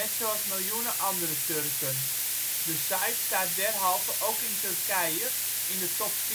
zoals miljoenen andere Turken. De site staat derhalve ook in Turkije in de top